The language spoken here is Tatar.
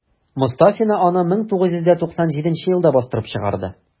Мостафина аны 1997 елда бастырып чыгарды.